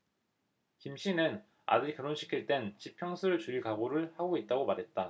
김씨는 아들 결혼시킬 땐 집 평수를 줄일 각오를 하고 있다고 말했다